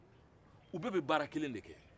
u bɛɛ bɛ baara kelen de kɛ